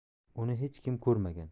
uni hech kim ko'rmagan